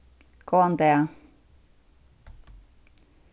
góðan dag